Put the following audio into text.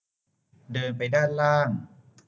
เดินไปด้านล่าง